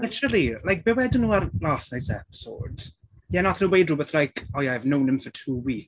Literally like be wedon nhw ar last night's episode? Ie wnaethon nhw weud rhywbeth like "O ie I've known him for two wee..."